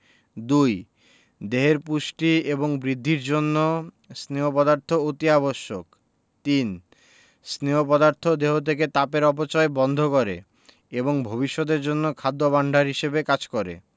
২. দেহের পুষ্টি এবং বৃদ্ধির জন্য স্নেহ পদার্থ অতি আবশ্যক ৩. স্নেহ পদার্থ দেহ থেকে তাপের অপচয় বন্ধ করে এবং ভবিষ্যতের জন্য খাদ্য ভাণ্ডার হিসেবে কাজ করে